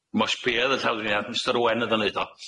'M otsh be' odd y llawdriniath, Mistar Owen o'dd yn neud o.